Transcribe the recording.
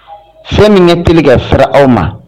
Fɛn min ŋa teli ka fɛrɛ aw ma